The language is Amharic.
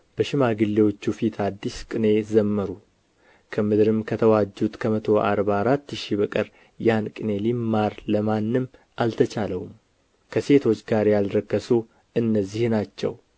በሽማግሌዎቹ ፊት አዲስ ቅኔ ዘመሩ ከምድርም ከተዋጁት ከመቶ አርባ አራት ሺህ በቀር ያን ቅኔ ሊማር ለማንም አልተቻለውም ከሴቶች ጋር ያልረከሱ እነዚህ ናቸው